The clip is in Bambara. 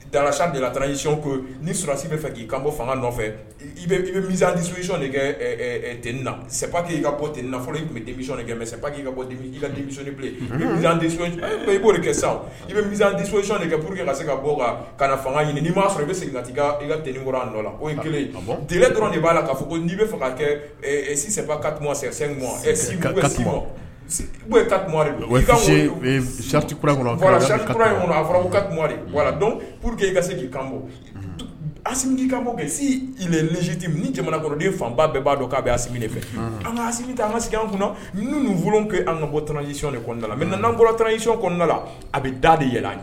Dasi dela icy ko nii sɔrɔsi bɛ fɛ k'i kantobon nɔfɛ i i bɛ mizdisucni kɛ tina sabaki ii ka bɔ tenfɔ tun bɛ denmusomicni kɛ mɛ bɔ i dimisɔnni bilen i b'o kɛ sa i bɛ mizdicni kɛur kase ka bɔ kan ka na fanga ɲini n'i m'a sɔrɔ i bɛ sigi ka i ka tkura o kelen dɔrɔn de b'a la ka fɔ ko n'i bɛ fanga kɛ sisanba ka sɛ tariti ka dɔn pur i kase k'i kan a'i kabo kɛ si jiti ni jamanakolonden fanba bɛɛ b'a dɔn k a bɛ a ne fɛ an kasi an kasigi an kɔnɔ kɛ an ka bɔ tsi de kɔnda la mɛ nanan icɔndala a bɛ da de yɛlɛ